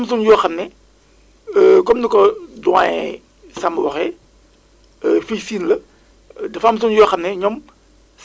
dinaa ko partager presque ay si ay quarante groupes Whatsapp te foofu am na fu ñoo xam ne ay fépp côté secteur agricole et rural la ñu bokk